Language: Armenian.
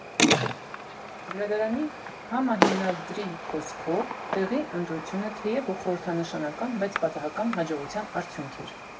Գրադարանի համահիմնադրի խոսքով՝ տեղի ընտրությունը թեև խորհրդանշական, բայց պատահական հաջողության արդյունք էր։